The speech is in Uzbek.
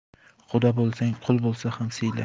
quda bo'lsang qui bo'lsa ham siyla